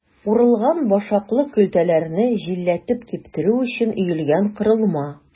Урылган башаклы көлтәләрне җилләтеп киптерү өчен өелгән корылма.